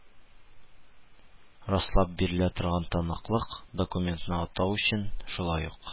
Раслап бирелә торган таныклык, документ»ны атау өчен, шулай ук,